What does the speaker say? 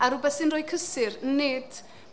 A rywbeth sy'n rhoi cysur, nid...